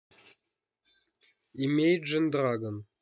имейджен драгон